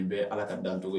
N bɛ ala ka dan cogo ye